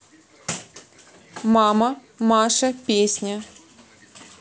мама маша песня